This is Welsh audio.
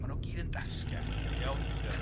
Ma nw gyd yn dasgia iawn? Ia.